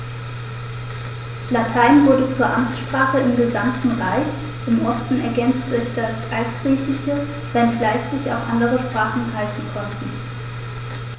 Latein wurde zur Amtssprache im gesamten Reich (im Osten ergänzt durch das Altgriechische), wenngleich sich auch andere Sprachen halten konnten.